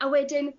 a wedyn